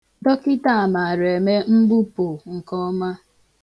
Dọkịta a mara eme mgbupụ nke ọma.